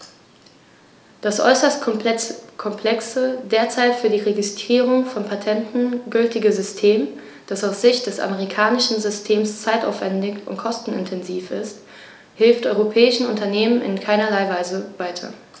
Das äußerst komplexe, derzeit für die Registrierung von Patenten gültige System, das aus Sicht des amerikanischen Systems zeitaufwändig und kostenintensiv ist, hilft europäischen Unternehmern in keinerlei Weise weiter.